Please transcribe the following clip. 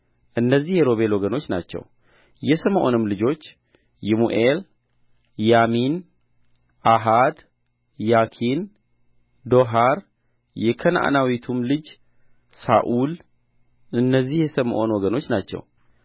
እነዚህ የሮቤል ወገኖች ናቸው የስምዖንም ልጆች ይሙኤል ያሚን ኦሃድ ያኪን ዶሐር የከነዓናዊቱም ልጅ ሳኡል እነዚህ የስምዖን ወገኖች ናቸው